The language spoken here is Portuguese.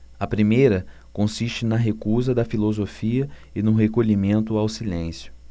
a primeira consiste na recusa da filosofia e no recolhimento ao silêncio